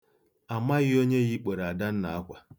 Amaghị onye yikporo Adanna akwa.